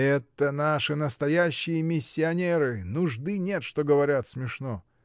— Это наши настоящие миссионеры, нужды нет, что говорят смешно.